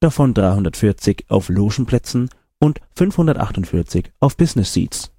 davon 340 auf Logenplätzen und 548 auf Business Seats